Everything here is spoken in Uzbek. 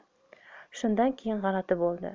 shundan keyin g'alati bo'ldi